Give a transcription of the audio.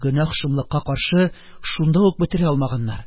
Гөнаһ шомлыкка каршы, шунда ук бетерә алмаганнар.